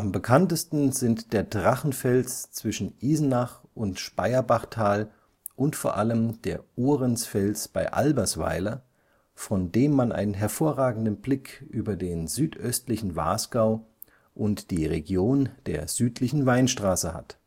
bekanntesten sind der Drachenfels zwischen Isenach - und Speyerbachtal und vor allem der Orensfels bei Albersweiler, von dem man einen hervorragenden Blick über den südöstlichen Wasgau und die Region der südlichen Weinstraße hat